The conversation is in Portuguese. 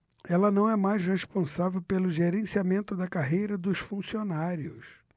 ela não é mais responsável pelo gerenciamento da carreira dos funcionários